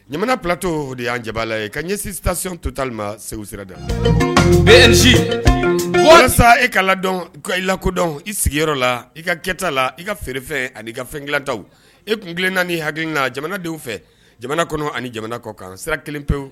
Jamana ptɔ o de y'an ja la ye ka ɲɛsitason to tali ma segu sirada la h walasa e ka la dɔn i ka i la kodɔn i sigiyɔrɔyɔrɔ la i ka kɛta la i ka feerefɛn ani ka fɛnda e kun tilen naani ni hakɛ ka jamana denw fɛ jamana kɔnɔ ani jamana kɔkan sira kelen pewu